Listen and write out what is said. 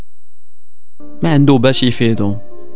مندوب اسيفيدو